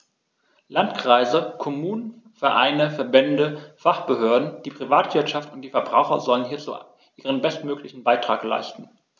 Landkreise, Kommunen, Vereine, Verbände, Fachbehörden, die Privatwirtschaft und die Verbraucher sollen hierzu ihren bestmöglichen Beitrag leisten.